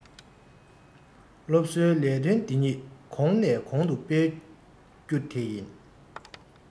སློབ གསོའི ལས དོན འདི ཉིད གོང ནས གོང དུ སྤེལ དགོས རྒྱུ དེ ཡིན